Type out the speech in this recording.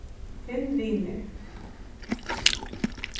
finn vinir